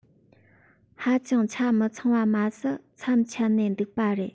ཧ ཅང ཆ མི ཚང བ མ ཟད མཚམས ཆད ནས འདུག པ རེད